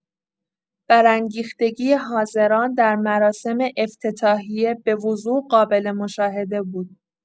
برانگیختگی حاضران در مراسم افتتاحیه به‌وضوح قابل‌مشاهده بود.